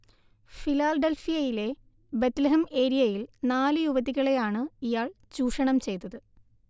ഫിലാഡൽഫിയയിലെ Bethlehem ഏരിയയിൽ നാലു യുവതികളെയാണ് ഇയാൾ ചൂഷണം ചെയ്തത്